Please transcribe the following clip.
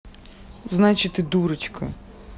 значит и дурочка